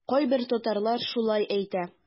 Кайбер татарлар шулай әйтә.